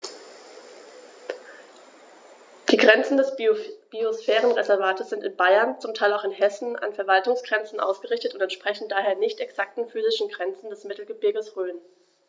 Die Grenzen des Biosphärenreservates sind in Bayern, zum Teil auch in Hessen, an Verwaltungsgrenzen ausgerichtet und entsprechen daher nicht exakten physischen Grenzen des Mittelgebirges Rhön.